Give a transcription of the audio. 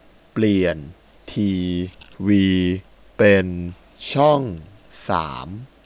เปลี่ยนทีวีเป็นช่องสาม